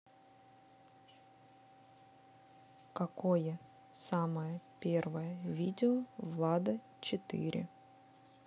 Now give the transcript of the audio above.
какое самое первое видео влада четыре